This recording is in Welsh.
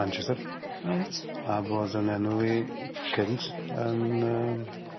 Manchester. Reit. A bod yn enwy cynt yn yym...